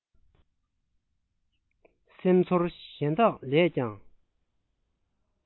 སེམས ཚོར གཞན དག ལས ཀྱང